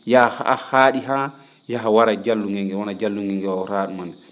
yaha haa?i han yaha wara jallungel ngel wona jallungel ngel waawara ?umanin